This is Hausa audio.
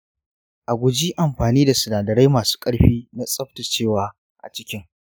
a guji amfani da sinadarai masu ƙarfi na tsaftacewa a cikin.